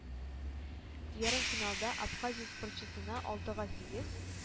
Ярымфиналда абхазия спортчысына алтыга сигез